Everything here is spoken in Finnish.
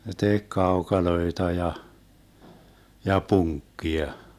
ne teki kaukaloita ja ja punkkia